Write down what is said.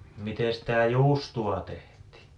miten sitä juustoa tehtiin